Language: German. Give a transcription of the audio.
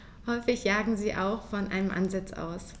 Häufig jagen sie auch von einem Ansitz aus.